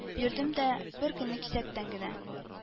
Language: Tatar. Йөрдем дә беркөнне кисәктән генә: